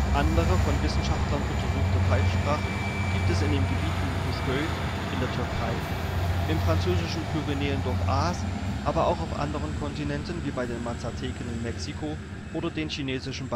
Andere von Wissenschaftlern untersuchte Pfeifsprachen gibt es in dem Gebiet um Kuşköy (Türkei), im französischen Pyrenäendorf Aas, aber auch auf anderen Kontinenten wie bei den Mazateken in Mexiko oder den chinesischen Bai